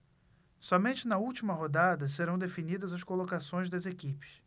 somente na última rodada serão definidas as colocações das equipes